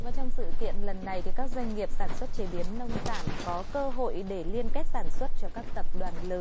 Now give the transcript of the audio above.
và trong sự kiện lần này thì các doanh nghiệp sản xuất chế biến nông sản có cơ hội để liên kết sản xuất cho các tập đoàn lớn